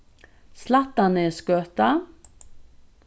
slættanesgøta